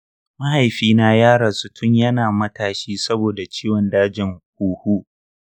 mahaifina ya rasu tun ya na matashi saboda ciwon dajin huhu